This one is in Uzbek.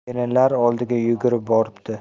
kelinlar oldiga yugurib boribdi